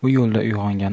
u yo'lda uyg'ongan